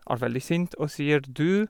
Du.